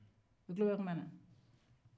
i tulo bɛ kuma na